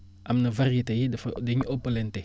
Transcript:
am na variété yi dafa dañ ëppalante